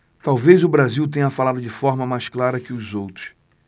talvez o brasil tenha falado de forma mais clara que os outros